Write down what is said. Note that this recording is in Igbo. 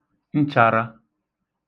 nchārā